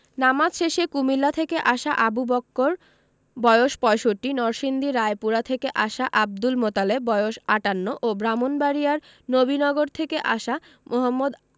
নামাজ শেষে কুমিল্লা থেকে আসা আবু বক্কর বয়স ৬৫ নরসিংদী রায়পুরা থেকে আসা আবদুল মোতালেব বয়স ৫৮ ও ব্রাহ্মণবাড়িয়ার নবীনগর থেকে আসা মো.